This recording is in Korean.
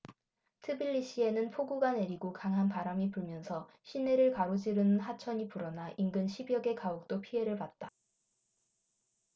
트빌리시에는 폭우가 내리고 강한 바람이 불면서 시내를 가로지르는 하천이 불어나 인근 십 여 개 가옥도 피해를 봤다